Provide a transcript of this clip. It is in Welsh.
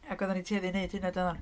Ac oddan ni'n tueddu i neud hynna doeddan.